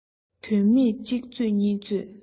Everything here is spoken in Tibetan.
དོན མེད གཅིག རྩོད གཉིས རྩོད